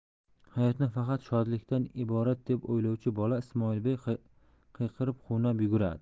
hayotni faqat shodlikdan iborat deb o'ylovchi bola ismoilbey qiyqirib quvnab yuguradi